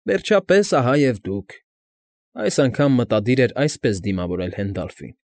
Վերջապե՜ս, ահա և դուք, ֊ այս անգամ մտադիր էր այսպես դիմավորել Հենդալֆին։